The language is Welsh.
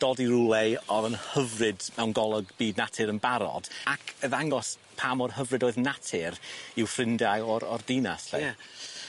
dod i rywle i o'dd yn hyfryd mewn golwg byd natur yn barod ac yy ddangos pa mor hyfryd oedd natur i'w ffrindiau o'r o'r dinas lle. Ie.